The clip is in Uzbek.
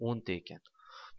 o'nta ekan